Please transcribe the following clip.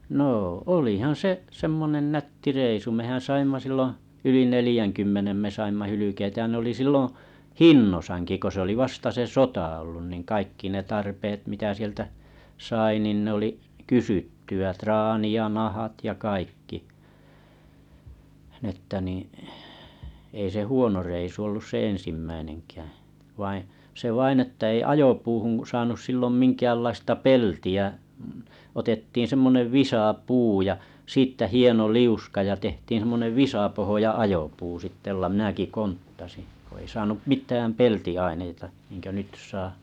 no olihan se semmoinen nätti reissu mehän saimme silloin yli neljänkymmenen me - saimme hylkeitä ja ne oli silloin hinnoissaankin kun se oli vasta se sota ollut niin kaikki ne tarpeet mitä sieltä sai niin ne oli kysyttyä traani ja nahat ja kaikki niin että niin ei se huono reissu ollut se ensimmäinenkään vaan se vain että ei ajopuuhun saanut silloin minkäänlaista peltiä otettiin semmoinen visapuu ja siitä hieno liuska ja tehtiin semmoinen visapohja ajopuu sitten jolla minäkin konttasin kun ei saanut mitään peltiaineita niin kuin nyt saa